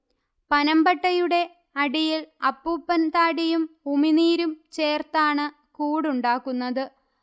പനമ്പട്ടയുടേ അടിയിൽ അപ്പൂപ്പൻ താടിയും ഉമിനീരും ചേർത്താണ് കൂടുണ്ടാക്കുന്നത്